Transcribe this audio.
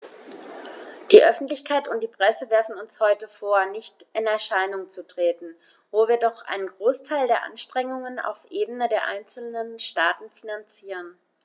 Die Öffentlichkeit und die Presse werfen uns heute vor, nicht in Erscheinung zu treten, wo wir doch einen Großteil der Anstrengungen auf Ebene der einzelnen Staaten finanzieren.